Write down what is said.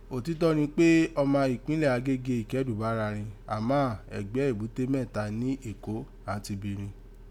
Otítọ́ rin pe ọma ipinlẹ Agége Ikeduba gha rin, àmá ẹ̀gbẹ́ Ebute Meta ni Eko án ti bi rin.